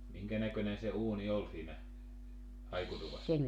minkä näköinen se uuni oli siinä haikutuvassa